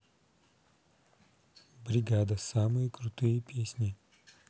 бригада самые крутые песни